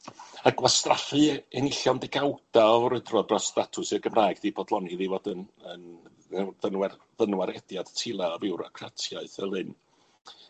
Ac wastraffu enillion degawda o frwydro dros statws y Gymraeg 'di bodloni iddi fod yn yn dyn- dynwar- dynwarediad tila o fiwrocratiaeth fel 'yn.